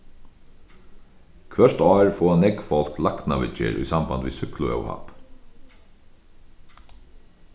hvørt ár fáa nógv fólk læknaviðgerð í sambandi við súkkluóhapp